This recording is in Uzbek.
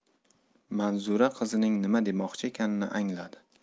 manzura qizining nima demoqchi ekanini angladi